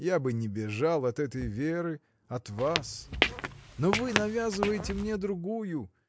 Я бы не бежал от этой Веры, от вас. Но вы навязываете мне другую.